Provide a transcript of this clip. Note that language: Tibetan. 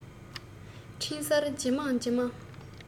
འཕྲིན གསར ཇེ མང ཇེ མང